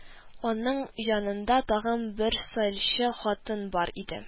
Аның янында тагын бер саилче хатын бар иде